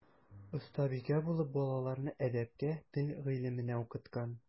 Остабикә булып балаларны әдәпкә, тел гыйлеменә укыткан.